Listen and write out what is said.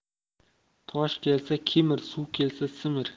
tosh kelsa kemir suv kelsa simir